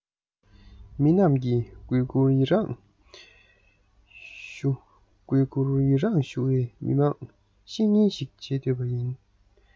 མི རྣམས ཀྱིས གུས བཀུར ཡིད རང ཞུ གུས བཀུར ཡིད རང ཞུ བའི མི དམངས བཤེས གཉེན ཞིག བྱེད འདོད པ ཡིན